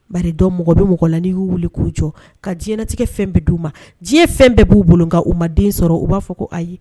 Bari dɔw mɔgɔ bɛ mɔgɔ la n'i y'u wili k'u jɔ ka diɲɛlatigɛ fɛn bɛ d'u ma ,diɲɛ fɛn bɛɛ b'u bolo nka u ma den sɔrɔ u b'a fɔ ko ayi.